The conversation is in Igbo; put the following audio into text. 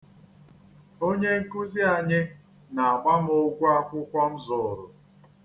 Onye nkụzi anyị na-agba m ụgwọ akwụkwọ m zụụrụ.